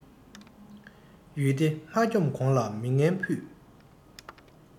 ཡུལ སྡེ མ འཁྱོམས གོང ལ མི ངན ཕུད